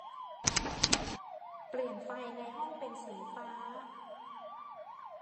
เปลี่ยนไฟในห้องเป็นสีฟ้า